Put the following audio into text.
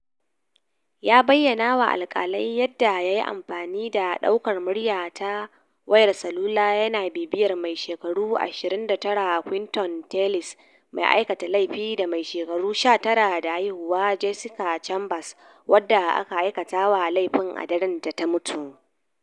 Ya bayyana wa alkalai yadda ya yi amfani da daukar murya ta wayar salula yana bibiyar mai shekaru 29 Quinton Tellis mai aikata laifi da mai shekaru 19 da haihuwa, Jessica Chambers wadda aka aikata wa laifin, a daren da ta mutu.